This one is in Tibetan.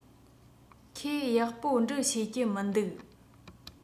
ཁོས ཡག པོ འབྲི ཤེས ཀྱི མི འདུག